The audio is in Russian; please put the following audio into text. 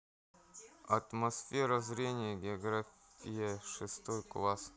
атмосфера зрения география шестой класс